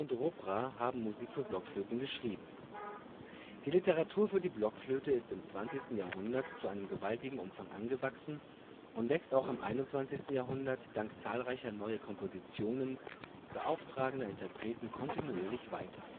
Rubbra haben Musik für Blockflöten geschrieben. Die Literatur für die Blockflöte ist im 20. Jahrhundert zu einem gewaltigem Umfang angewachsen und wächst auch im 21. Jahrhundert dank zahlreicher neue Kompositionen beauftragender Interpreten kontinuierlich weiter